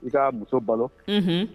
I ka muso balo, unhun.